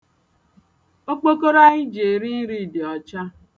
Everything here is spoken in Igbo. Okpokoro anyị ji eri nri dị ọcha.